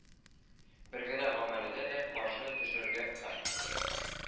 Бер генә гамәленә дә каршы төшәргә һәм